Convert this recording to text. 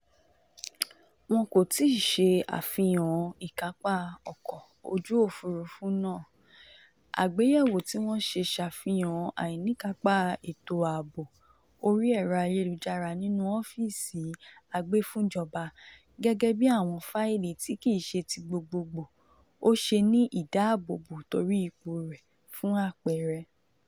Wọn kò tíì ṣe àfihàn ìkápá ọkọ̀ ojú òfurúfú náà, àgbéyẹ̀wò tí wọ́n ṣe ṣàfihàn àìníkapá ètò aàbò orí ẹ̀rọ̀ ayélujára nínú ọ́fíìsì agbèfúnjọba, gẹ́gẹ́ bí àwọn fáìlì tí kìí ṣe ti gbogboogbo ò ṣe ní ìdábòbò torí ipò rẹ̀ fún apẹẹrẹ.